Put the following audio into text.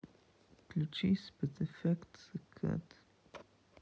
включи спецэффект закат